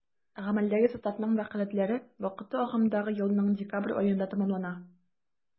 Гамәлдәге составның вәкаләтләре вакыты агымдагы елның декабрь аенда тәмамлана.